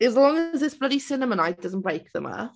As long as this bloody Cinema Night doesn't break them up.